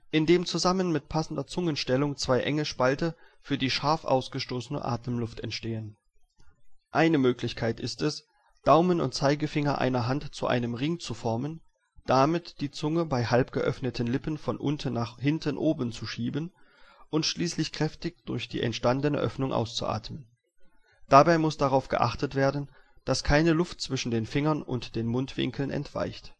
indem zusammen mit passender Zungenstellung zwei enge Spalten für die scharf ausgestoßene Atemluft entstehen. Eine Möglichkeit ist es, Daumen und Zeigefinger einer Hand zu einem Ring zu formen, damit die Zunge bei halbgeöffneten Lippen von unten nach hinten oben zu schieben und schließlich kräftig durch die entstandene Öffnung auszuatmen. Dabei muss darauf geachtet werden, dass keine Luft zwischen den Fingern und den Mundwinkeln entweicht